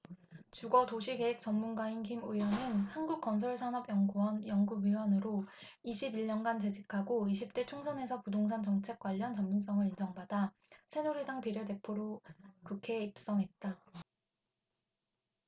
주거 도시계획 전문가인 김 의원은 한국건설산업연구원 연구위원으로 이십 일 년간 재직하고 이십 대 총선에서 부동산 정책 관련 전문성을 인정받아 새누리당 비례대표로 국회에 입성했다